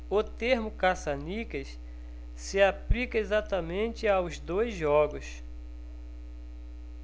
o termo caça-níqueis se aplica exatamente aos dois jogos